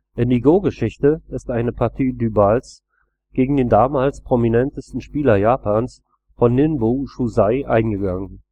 In die Go-Geschichte ist eine Partie Dueballs gegen den damals prominentesten Spieler Japans Honinbō Shūsai eingegangen